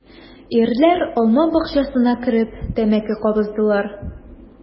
Ирләр алма бакчасына кереп тәмәке кабыздылар.